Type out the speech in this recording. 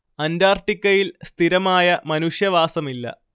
അന്റാർട്ടിക്കയിൽ സ്ഥിരമായ മനുഷ്യവാസമില്ല